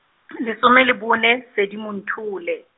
lesome le bone, Sedimonthole.